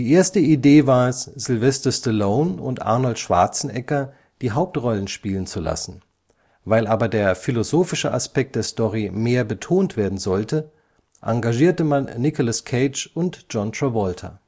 erste Idee war es, Sylvester Stallone und Arnold Schwarzenegger die Hauptrollen spielen zu lassen, weil aber der philosophische Aspekt der Story mehr betont werden sollte, engagierte man Nicolas Cage und John Travolta